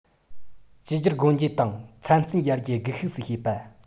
བསྒྱུར བཅོས སྒོ འབྱེད དང ཚན རྩལ ཡར རྒྱས སྒུལ ཤུགས སུ བྱེད པ